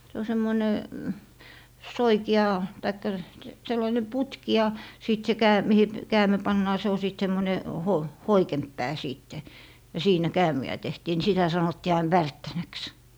se on semmoinen soikea tai sellainen putki ja sitten se - mihin käämi pannaan se on sitten semmoinen - hoikempi pää sitten ja siinä käämiä tehtiin niin sitä sanottiin aina värttänäksi